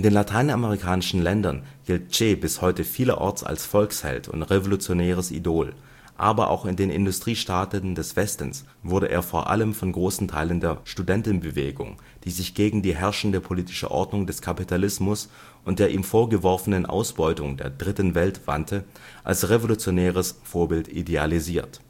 lateinamerikanischen Ländern gilt „ Che “bis heute vielerorts als Volksheld und revolutionäres Idol, aber auch in den Industriestaaten des Westens wurde er vor allem von großen Teilen der Studentenbewegung, die sich gegen die herrschende politische Ordnung des Kapitalismus und der ihm vorgeworfenen Ausbeutung der „ Dritten Welt “wandte, als revolutionäres Vorbild idealisiert